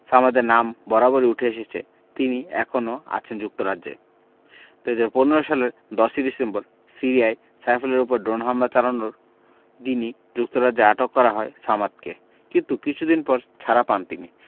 সামাদের নাম বরাবর উঠে এসেছে তিনি এখনো আছেন যুক্তরাজ্যে ২০১৫ সালের ১০ ইডিসেম্বর সিরিয়ায় সাইফুলের ওপর ড্রোন হামলা চালানোর দিনই যুক্তরাজ্যে আটক করা হয় সামাদকে কিন্তু কিছুদিন পর ছাড়া পান তিনি